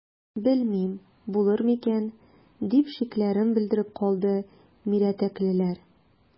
Белмим, булыр микән,– дип шикләрен белдереп калды мирәтәклеләр.